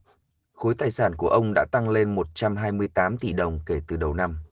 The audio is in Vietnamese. khối tài sản của ông đã tăng lên một trăm hai mươi tám tỷ đồng kể từ đầu năm